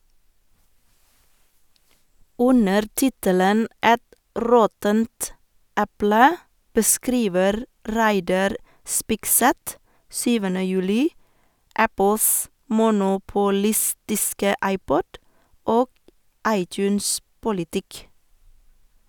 Under tittelen «Et råttent eple» beskriver Reidar Spigseth 7. juli Apples monopolistiske iPod- og iTunes-politikk.